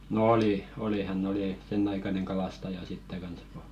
no oli oli hän oli sen aikainen kalastaja sitten kanssa kun